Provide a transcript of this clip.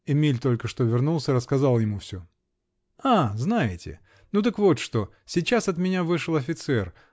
(Эмиль только что вернулся, рассказал ему все. )-- А, знаете! -- Ну, так вот что. Сейчас от меня вышел офицер.